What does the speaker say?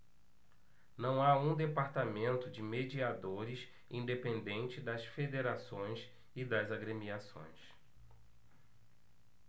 não há um departamento de mediadores independente das federações e das agremiações